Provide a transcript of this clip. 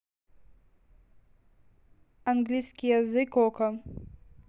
английский язык окко